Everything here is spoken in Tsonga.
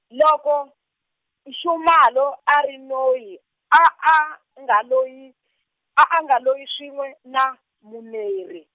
loko, Nxumalo a ri noyi, a a nga loyi, a a nga loyi swin'we na, Muneri.